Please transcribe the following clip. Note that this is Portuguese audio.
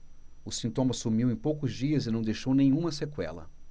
o sintoma sumiu em poucos dias e não deixou nenhuma sequela